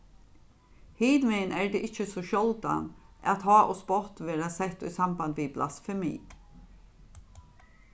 hinvegin er tað ikki so sjáldan at háð og spott verða sett í samband við blasfemi